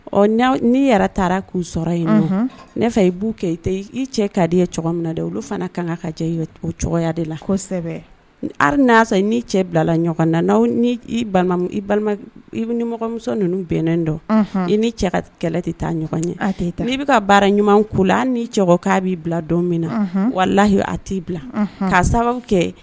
'i yɛrɛ taara k'u sɔrɔ yen ne fa i b'u kɛ i i cɛ ka di min na dɛ olu fana kan ka ka cɛ iya de la aliri ni cɛ bilala ɲɔgɔn na balima i nimɔgɔmuso ninnu bɛnnen dɔn i ni cɛ ka kɛlɛ tɛ taa ɲɔgɔn ɲɛ tɛ n i bɛ ka baara ɲuman ko la ni cɛkɔrɔba' b'i bila don min na walayi a t'i bila k' sababu kɛ